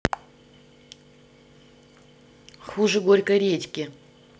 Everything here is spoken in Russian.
хуже горькой редьки